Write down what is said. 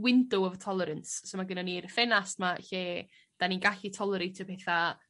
window of tolerance so ma' gennon ni'r ffenast 'ma lle 'dan ni'n gallu tolereitio petha